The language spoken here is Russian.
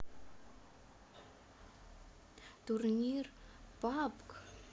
турнир пабг